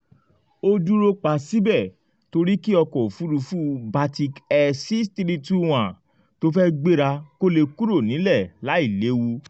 Ó dúró pa síbẹ̀ torí kí ọkọ̀-òfúrufú Batik Air 6321, tó fẹ́ gbéra, lè fò kúrò nílẹ̀ láì léwu.